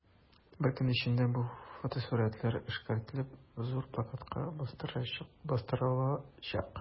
Бер көн эчендә бу фотосурәтләр эшкәртелеп, зур плакатларда бастырылачак.